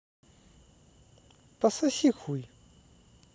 пососи хуй